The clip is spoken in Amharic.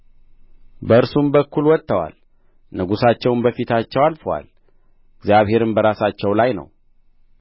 በእርሱም በኩል ወጥተዋል ንጉሣቸውም በፊታቸው አልፎአል እግዚአብሔርም በራሳቸው ላይ ነው